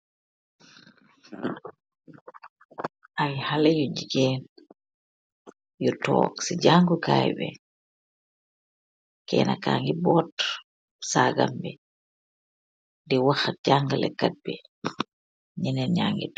Ayy haleeh yu jigeen , yu toog si jankoh kaii bi , kenaah kajeeh boot sagaab bi , di wahat jakalekat bi, jeneen yageh toog.